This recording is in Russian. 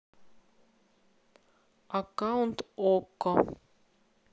аккаунт okko